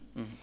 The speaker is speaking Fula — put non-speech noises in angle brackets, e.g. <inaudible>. <hesitation> <hesitation>